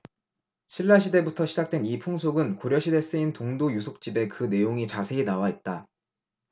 신라시대부터 시작된 이 풍속은 고려시대 쓰인 동도유속집에 그 내용이 자세히 나와있다